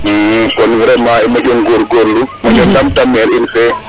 kon vraiment i moƴo ngogorlu moƴo ndamta maire in fe